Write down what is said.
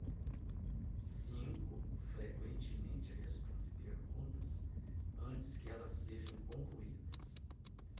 cinco frequentemente responde perguntas antes que elas sejam concluídas